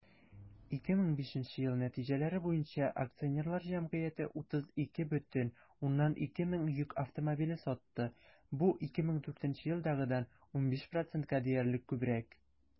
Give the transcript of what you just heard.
2005 ел нәтиҗәләре буенча акционерлар җәмгыяте 32,2 мең йөк автомобиле сатты, бу 2004 елдагыдан 15 %-ка диярлек күбрәк.